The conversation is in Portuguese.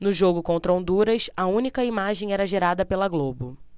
no jogo contra honduras a única imagem era gerada pela globo